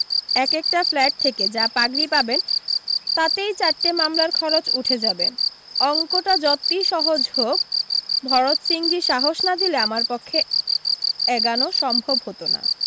এক একটা ফ্ল্যাট থেকে যা পাগড়ি পাবেন তাতেই চারটে মামলার খরচ উঠে যাবে অঙ্কটা যতি সহজ হোক ভরত সিংজী সাহস না দিলে আমার পক্ষে এগানো সম্ভব হতো না